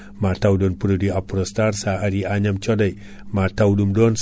mataw ɗon produit Aprostar ,sa ari Agnam Thiodaye ma taw ɗum ɗon